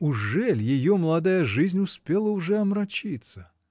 Ужели ее молодая жизнь успела уже омрачиться?.